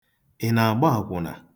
Ị na-agba akwụna?